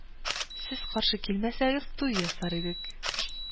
Сез каршы килмәсәгез туй ясар идек